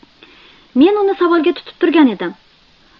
men uni savolga tutib turgan edim